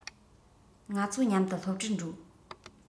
ང ཚོ མཉམ དུ སློབ གྲྭར འགྲོ